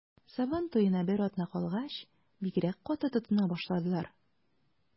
Сабан туена бер атна калгач, бигрәк каты тотына башладылар.